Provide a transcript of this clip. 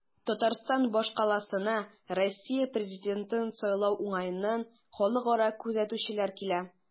Татарстан башкаласына Россия президентын сайлау уңаеннан халыкара күзәтүчеләр килә.